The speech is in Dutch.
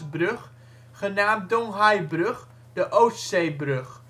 genaamd Donghai-brug (Oost Zee-brug